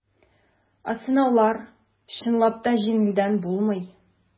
Ә сынаулар, чынлап та, җиңелдән булмый.